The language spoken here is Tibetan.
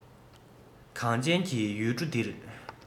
གངས ཅན གྱི ཡུལ གྲུ འདིར